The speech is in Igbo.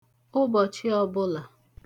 ụbọ̀chị ọbụlà